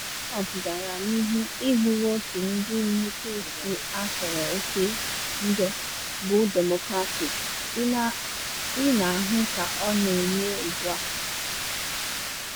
Trump gara n’ihu, “Ị hụrụ otu ndị nnupu isi a jọrọ oke njọ bụ Demokrats, ị na ahụ ka ọ na eme ugbu a.